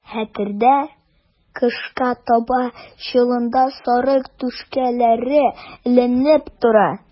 Хәтердә, кышка таба чоланда сарык түшкәләре эленеп тора.